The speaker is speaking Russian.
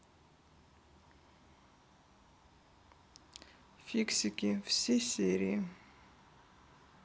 фиксики все серии